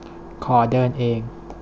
ขอเดินเอง